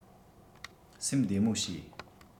སེམས བདེ མོ བྱོས